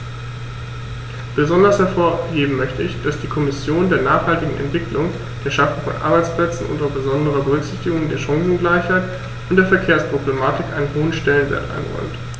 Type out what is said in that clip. Besonders hervorheben möchte ich, dass die Kommission der nachhaltigen Entwicklung, der Schaffung von Arbeitsplätzen unter besonderer Berücksichtigung der Chancengleichheit und der Verkehrsproblematik einen hohen Stellenwert einräumt.